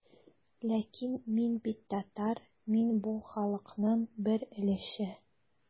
Ләкин мин бит татар, мин бу халыкның бер өлеше.